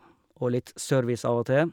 Og litt service av og til.